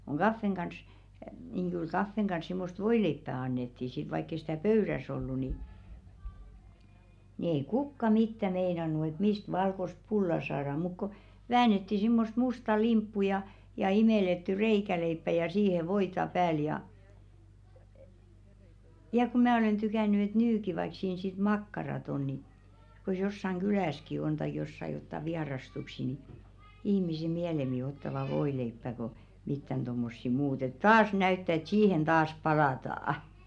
kun kahvin kanssa niin kyllä kahvin kanssa semmoista voileipää annettiin sitten vaikka ei sitä pöydässä ollut niin niin ei kukaan mitään meinannut että mistä valkoista pullaa saadaan mutta kun väännettiin semmoista mustaa limppua ja ja imellettyä reikäleipää ja siihen voita päälle ja ja kun minä olen tykännyt että nytkin vaikka siinä sitten makkarat on niin kun jossakin kylässäkin on tai jossakin jotakin vierastuksia niin ihmiset mieluummin ottavat voileipää kuin mitään tuommoisia muuta että taas näyttää että siihen taas palataan